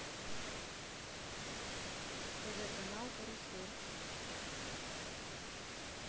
тв канал карусель